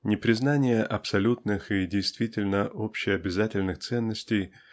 Непризнание абсолютных и действительно общеобязательных ценностей